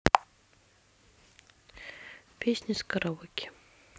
песни с караоке